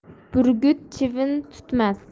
burgut chivin tutmas